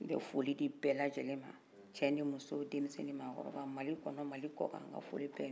n bɛ foli di bɛɛ lajɛlen ma cɛ ni muso dɛnmisɛn ni maakɔrɔba mali kɔnɔ mali kɔkan n ka foli be ye